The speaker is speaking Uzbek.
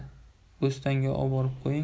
bo'stonga oborib qo'ying